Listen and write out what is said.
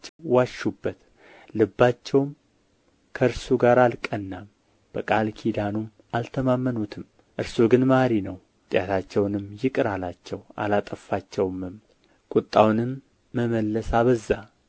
ዋሹበት ልባቸውም ከእርሱ ጋር አልቀናም በቃል ኪዳኑም አልተማመኑትም እርሱ ግን መሓሪ ነው ኃጢአታቸውንም ይቅር አላቸው አላጠፋቸውምም ቍጣውንም መመለስ አበዛ